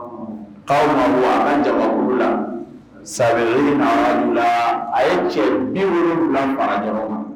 Aw ma jakuru la sɛ na la a ye cɛ bi la mara dɔrɔn ma